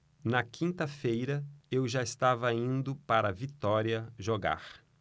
na quinta-feira eu já estava indo para vitória jogar